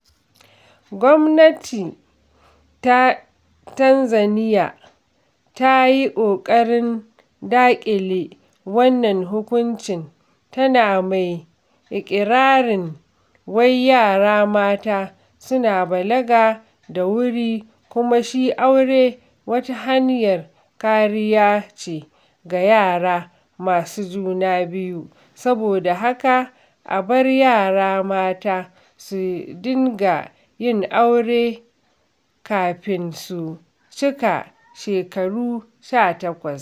Gwamnatin ta Tanzaniya ta yi ƙoƙarin daƙile wannan hukuncin, tana mai iƙirarin wai yara mata suna balaga da wuri kuma shi aure wata hanyar kariya ce ga yara masu juna biyu. Saboda haka a bar yara mata su dinga yin aure kafin su cika shekaru 18.